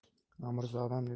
amirzodam deb shivirladi